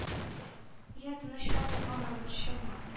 — я, тынычлан, анам, борчылма,